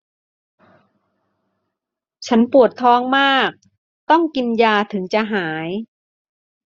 ฉันปวดท้องมากต้องกินยาถึงจะหาย